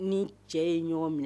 I n(i cɛ ye ɲɔgɔn minɛ